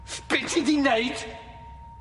Be' ti 'di neud?